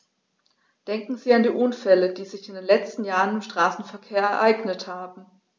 Denken Sie an die Unfälle, die sich in den letzten Jahren im Straßenverkehr ereignet haben.